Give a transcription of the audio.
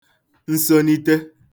nsonite